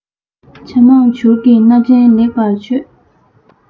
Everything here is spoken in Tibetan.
བྱ མང བྱུར གྱི སྣ འདྲེན ལེགས པར ཆོད